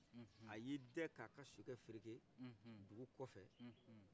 ayi dɛn ka ka sokɛ fereke dugu kɔfɛ